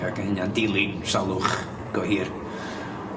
...ag yn hynna'n dilyn salwch go hir.